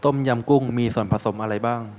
ต้มยำกุ้งมีส่วนผสมอะไรบ้าง